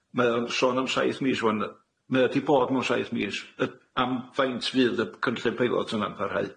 Mae o'n sôn am saith mis ŵan. Ma' o 'di bod mewn saith mis y-, am faint fydd y cynllun peilot yna'n parhau?